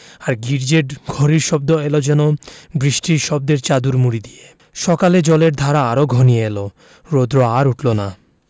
আর গির্জ্জের ঘড়ির শব্দ এল যেন বৃষ্টির শব্দের চাদর মুড়ি দিয়ে সকালে জলের ধারা আরো ঘনিয়ে এল রোদ্র আর উঠল না